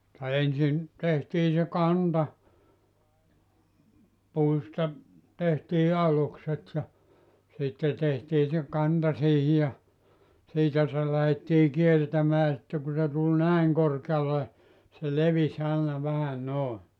mutta ensin tehtiin se kanta puista tehtiin alukset ja sitten tehtiin se kanta siihen ja siitä se lähdettiin kiertämään sitten kun se tuli näin korkealle se levisi aina vähän noin